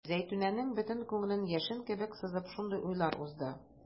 Зәйтүнәнең бөтен күңелен яшен кебек сызып шундый уйлар узды.